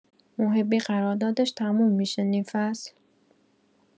محبی قراردادش تموم می‌شه نیم‌فصل؟